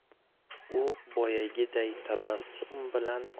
u boyagiday tabassum bilan